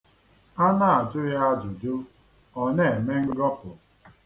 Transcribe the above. A na-ajụ ya ajụjụ, ọ na-eme ngọpụ.